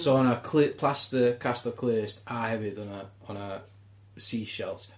So o' 'na cle- plaster cast o clust a hefyd o' 'na o' 'na seashells.